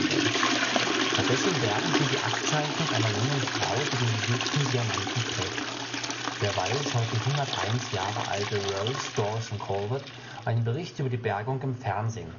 bergen sie die Aktzeichnung einer jungen Frau, die den gesuchten Diamanten trägt. Derweil schaut die 101 Jahre alte Rose Dawson-Calvert einen Bericht über die Bergung im Fernsehen